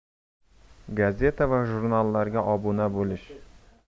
gazeta va jurnallarga obuna bo'lish